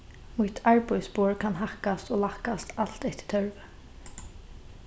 mitt arbeiðsborð kann hækkast og lækkast alt eftir tørvi